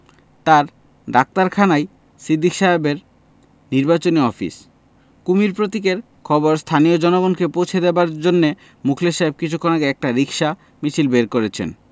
তাঁর ডাক্তারখানাই সিদ্দিক সাহেবের নির্বাচনী অফিস কুমীর প্রতীকের খবর স্থানীয় জনগণকে পৌঁছে দেবার জন্যে মুখলেস সাহেব কিছুক্ষণ আগে একটা রিকশা মিছিল বের করেছেন